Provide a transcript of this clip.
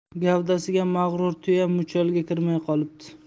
gavdasiga mag'rur tuya muchalga kirmay qolibdi